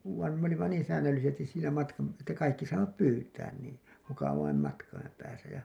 vaan me olimme niin säännöllisesti siinä matkan että kaikki saivat pyytää niin mukavan matkan päässä ja